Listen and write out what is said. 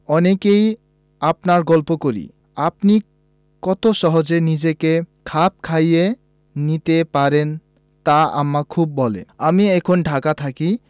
অনেককেই আপনার গল্প করি আপনি কত সহজে নিজেকে খাপ খাইয়ে নিতে পারেন তা আম্মা খুব বলে আমি এখন ঢাকা থাকি